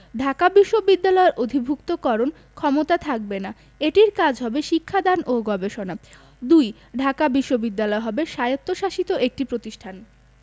ঢাকা বিশ্ববিদ্যালয়ের অধিভুক্তিকরণ ক্ষমতা থাকবে না এটির কাজ হবে শিক্ষা দান ও গবেষণা ২ ঢাকা বিশ্ববিদ্যালয় হবে স্বায়ত্তশাসিত একটি প্রতিষ্ঠান